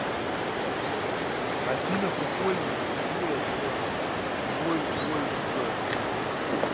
афина поприкольней было чем джой джой дура